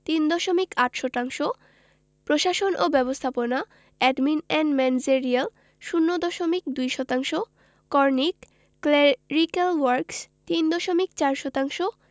৩ দশমিক ৮ শতাংশ প্রশাসন ও ব্যবস্থাপনা এডমিন এন্ড ম্যানেজেরিয়াল ০ দশমিক ২ শতাংশ করণিক ক্ল্যারিক্যাল ওয়ার্ক্স ৩ দশমিক ৪ শতাংশ